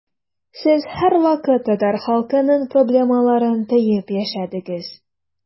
Сез һәрвакыт татар халкының проблемаларын тоеп яшәдегез.